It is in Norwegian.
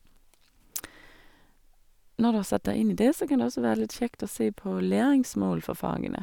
Når du har satt deg inn i det, så kan det også være litt kjekt å se på læringsmål for fagene.